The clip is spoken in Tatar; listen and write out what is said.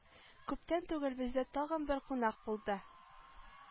Күптән түгел бездә тагын бер кунак булды